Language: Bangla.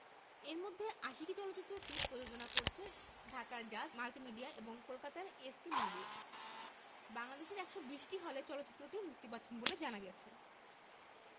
এর মধ্যে আশিকী চলচ্চিত্রটি প্রযোজনা করছে ঢাকার জাজ মাল্টিমিডিয়া এবং কলকাতার এস কে মুভিজ বাংলাদেশের ১২০টি হলে চলচ্চিত্রটি মুক্তি পাচ্ছে বলে জানা গেছে